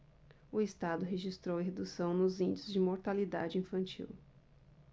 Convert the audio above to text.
o estado registrou redução nos índices de mortalidade infantil